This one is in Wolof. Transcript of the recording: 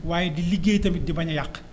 waaye di liggéey tamit di bañ a yàq